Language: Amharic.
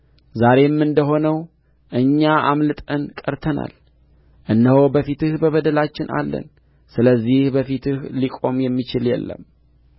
ዛሬም እንደ ሆነው እኛ አምልጠን ቀርተናል እነሆ በፊትህ በበደላችን አለን ስለዚህ በፊትህ ሊቆም የሚችል የለም